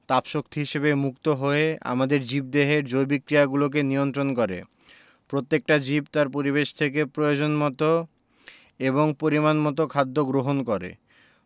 তাপ শক্তি হিসেবে মুক্ত হয়ে জীবদেহের জৈবিক ক্রিয়াগুলোকে নিয়ন্ত্রন করে প্রত্যেকটা জীব তার পরিবেশ থেকে প্রয়োজনমতো এবং পরিমাণমতো খাদ্য গ্রহণ করে